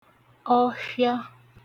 ọfhịa